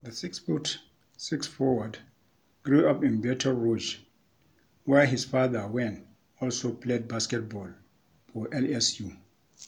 The 6-foot-6 forward grew up in Baton Rouge, where his father, Wayne, also played basketball for LSU.